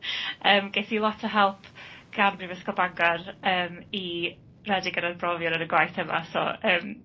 Yym ges i lot o help gan Brifysgol Bangor yym i redeg yr arbrofion yn y gwaith yma, so yym...